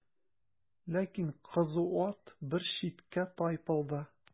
Ләкин кызу ат бер читкә тайпылды.